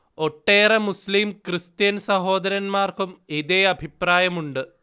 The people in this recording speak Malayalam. ഒട്ടേറെ മുസ്ളീം കൃസ്ത്യൻ സഹോദരന്മാർക്കും ഇതേ അഭിപ്രായമുണ്ട്